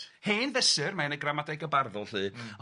Hen fesur mae yn y Gramadega' Barddol 'lly... M-hm